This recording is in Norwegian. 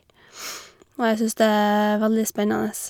Og jeg syns det er veldig spennende.